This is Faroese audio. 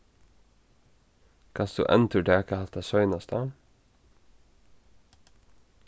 kanst tú endurtaka hatta seinasta